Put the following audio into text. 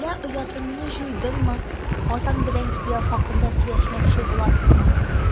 Әллә оятыңны җуйдыңмы, атаң белән кияү хакында сөйләшмәкче буласыңмы? ..